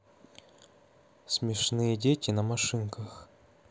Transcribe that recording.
смешные дети на машинках